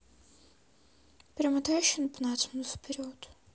перемотай еще на пятнадцать минут вперед